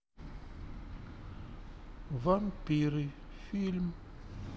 вампиры фильм